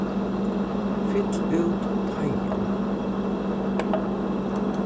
fyll út teigin